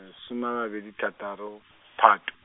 soma a mabedi thataro, Phatw-.